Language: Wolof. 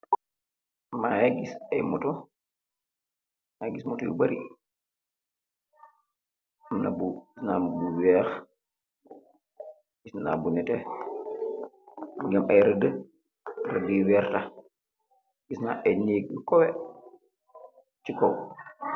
Mageh giss ay moto magi giss moto yu bari aam na bu weex gisna bu neteh mogi aam ay reda reda yu wertah giss na ay neeg yu kawaeh si kaw.